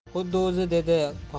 xuddi o'zi dedi tohir